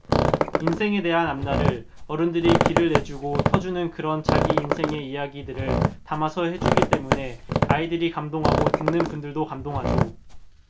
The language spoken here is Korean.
인생에 대한 앞날을 어른들이 길을 내주고 터주는 그런 자기 인생의 이야기들을 담아서 해주기 때문에 아이들이 감동하고 듣는 분들도 감동하죠